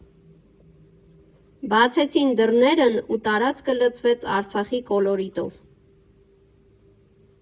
Բացեցին դռներն ու տարածքը լցվեց Արցախի կոլորիտով։